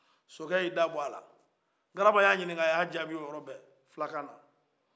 sokɛ ye a da bɔ a la graba y'a ɲini kan a ye a jaabi o yɔrɔbɛ filakan na